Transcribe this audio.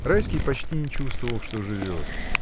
Райский почти не чувствовал, что живет.